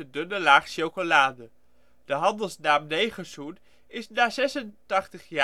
dunne laag chocolade. De handelsnaam negerzoen is na 86 jaar